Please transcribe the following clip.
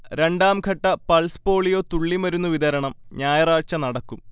രണ്ടാംഘട്ട pulse polio തുള്ളിമരുന്ന് വിതരണം ഞായറാഴ്ച നടക്കും